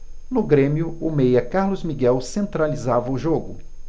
no grêmio o meia carlos miguel centralizava o jogo